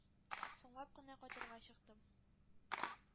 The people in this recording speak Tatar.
Соңлап кына кайтырга чыктым.